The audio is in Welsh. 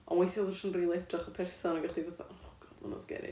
Ond weithia o'dd o jyst yn rili edrych fel person ac o'ch di fatha "oh god ma' hwnna'n sgeri"